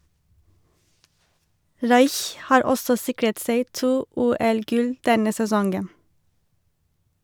Raich har også sikret seg to OL-gull denne sesongen.